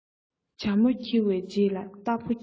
བྱ མོ ཁྱེར བའི རྗེས ལ རྟ ཕོ འཁྱེར